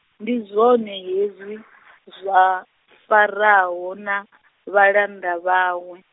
ndi zwone hezwi, zwa, Faraho na, vhalanda vhawe.